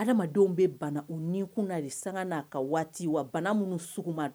Adamadenw bɛ bana u ni kun na de sanga na ka waati. Wa bana munun sugu ma dɔn.